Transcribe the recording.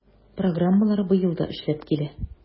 Программалар быел да эшләп килә.